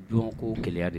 Jɔn ko gɛlɛyaya de